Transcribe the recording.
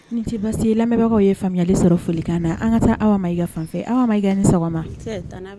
Ni tɛ basi lamɛnbagawkaw ye faamuyali sɔrɔ folikan na an ka taa aw ma i ka fanfɛ aw ma i ni sɔgɔma